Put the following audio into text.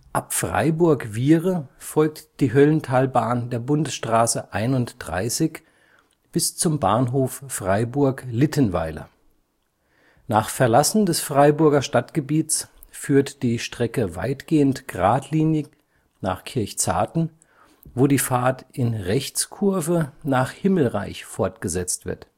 Ab Freiburg-Wiehre folgt die Höllentalbahn der Bundesstraße 31 bis zum Bahnhof Freiburg-Littenweiler. Nach Verlassen des Freiburger Stadtgebiets führt die Strecke weitgehend gradlinig nach Kirchzarten, wo die Fahrt in Rechtskurve nach Himmelreich fortgesetzt wird